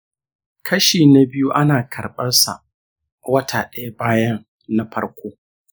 kashi na biyu ana karɓarsa wata ɗaya bayan na farko.